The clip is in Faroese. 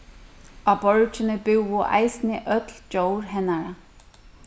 á borgini búðu eisini øll djór hennara